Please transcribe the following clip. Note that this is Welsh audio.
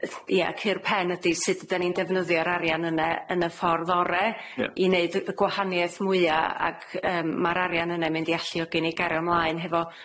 Ia, cur pen ydi sut ydan ni'n defnyddio'r arian yne yn y ffordd ore... Ia... i neud y gwahaniaeth mwya ac yym, ma'r arian yne mynd i alluogi ni gario mlaen hefo